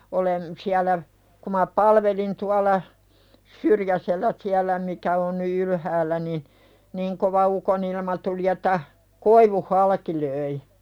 olen siellä kun minä palvelin tuolla Syrjäsellä siellä mikä on nyt ylhäällä niin niin kova ukonilma tuli että koivun halki löi